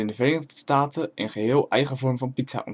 Staten een geheel eigen vorm van pizza ontstaan